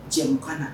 Cɛw u kana